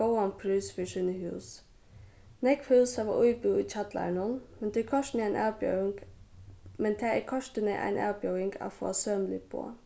góðan prís fyri síni hús nógv hús hava íbúð í kjallaranum men tað er kortini ein avbjóðing men tað er kortini ein avbjóðing at fáa sømilig boð